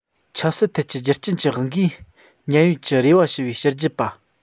ཆབ སྲིད ཐད ཀྱི རྒྱུ རྐྱེན གྱི དབང གིས ཉེན གཡོལ གྱི རེ བ ཞུ བའི ཕྱི རྒྱལ པ